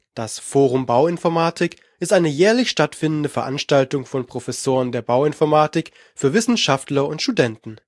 Das Forum Bauinformatik ist eine jährlich stattfindende Veranstaltung von Professoren der Bauinformatik für Wissenschaftler und Studenten